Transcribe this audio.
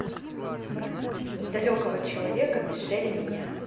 далекого человека мишеля меня